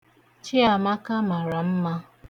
Chiamaka mara mma.